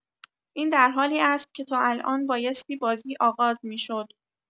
این در حالی است که تا الان بایستی بازی آغاز می‌شد